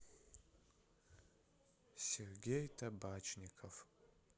сергей табачников